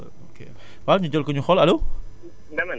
mooy lépp lu nga ok